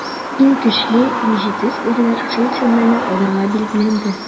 Иң көчле, иң җитез ирләр шул тирмәне алырга билгеләнде.